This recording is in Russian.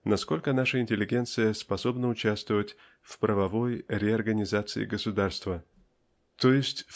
насколько наша интеллигенция способна участвовать в правовой реорганизации государства т. е.